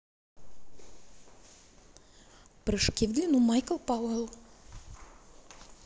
прыжки в длину майкл пауэл